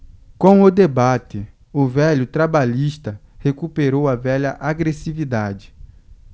com o debate o velho trabalhista recuperou a velha agressividade